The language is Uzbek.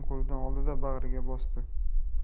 qo'lidan oldida bag'riga bosdi